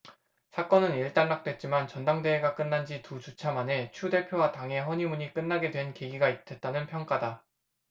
사건은 일단락됐지만 전당대회가 끝난지 두 주차 만에 추 대표와 당의 허니문이 끝나게 된 계기가 됐다는 평가다